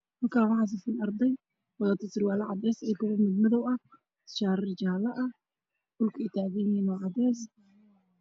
Halkaa wax safan adray wadto sawrwaalo cadays ah iyo shaatiyaal jaalo ah